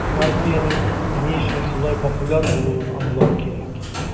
Хартиянең ни өчен шулай популяр булуын аңлау кирәк.